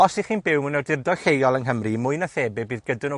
Os 'ych chi'n byw mewn awdurdod lleol yng Nghymru, mwy na thebyg bydd gyda nw